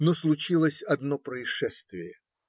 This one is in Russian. Но случилось одно происшествие.